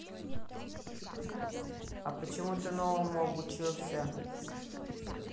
а почему ты новому обучился